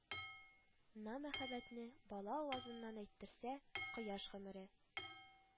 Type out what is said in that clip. На мәхәббәтне бала авызыннан әйттерсә («кояш гомере